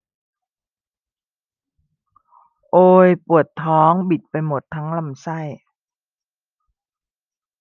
โอยปวดท้องบิดไปหมดทั้งลำไส้